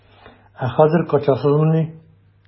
Ә хәзер качасызмыни?